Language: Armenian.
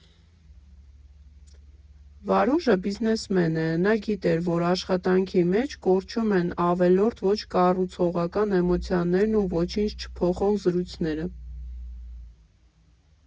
Վարուժը բիզնեսմեն է, նա գիտեր, որ աշխատանքի մեջ կորչում են ավելորդ, ոչ կառուցողական էմոցիաներն ու ոչինչ չփոխող զրույցները։